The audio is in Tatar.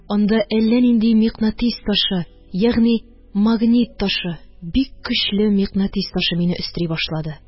Анда әллә нинди микънатис ташы, ягъни магнит ташы, бик көчле микънатис ташы мине өстери башлады.